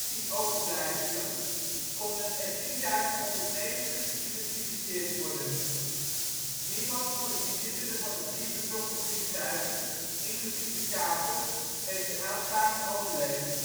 19.916 overblijfselen, konden er 10.190 geïdentificeerd worden. Niemand van de inzittenden van de vier betrokken vliegtuigen, inclusief de kapers, heeft de aanslagen overleefd